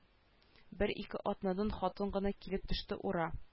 Бер-ике атнадан хаты гына килеп төште ура